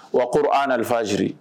Wa ko an nanfajiri